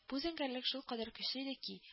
Бу зәңгәрлек шулкадәр көчле иде ки